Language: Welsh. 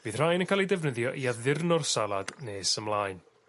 fydd rhain yn ca'l 'u defnyddio i addurno'r salad nes ymlaen.